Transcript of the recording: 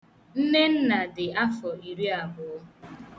Nnenna dị afọ iriabụọ.